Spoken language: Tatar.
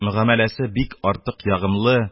Мөгамәләсе бик артык ягымлы,